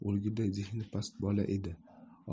o'lguday zehni past bola edi